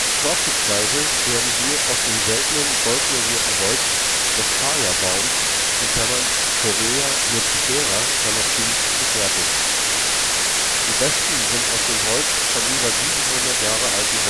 Vorzugsweise werden sie aus dem seltenen goldmelierten Holz des Kayabaums (Torreya nucifera) gefertigt. Die besten sind aus dem Holz von über 700 Jahre alten